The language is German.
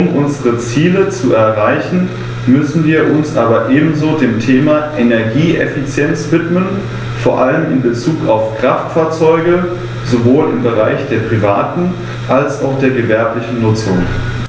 Um unsere Ziele zu erreichen, müssen wir uns aber ebenso dem Thema Energieeffizienz widmen, vor allem in Bezug auf Kraftfahrzeuge - sowohl im Bereich der privaten als auch der gewerblichen Nutzung.